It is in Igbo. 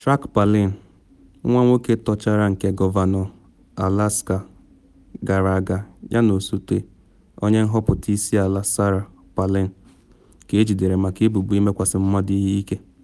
Track Palin, nwa nwoke tọchara nke gọvanọ Alaska gara aga yana osote onye nhọpụta isi ala Sarah Palin, ka ejidere maka ebubo ịmekwasị mmadụ ihe ike.